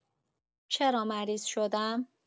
چرا مریض شدم؟